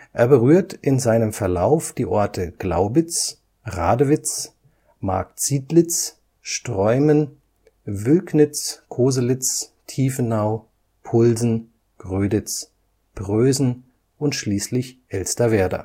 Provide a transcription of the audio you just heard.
Er berührt in seinem Verlauf die Orte Glaubitz, Radewitz, Marksiedlitz, Streumen, Wülknitz, Koselitz, Tiefenau, Pulsen, Gröditz, Prösen und schließlich Elsterwerda